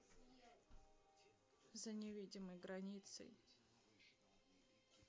за невидимой границей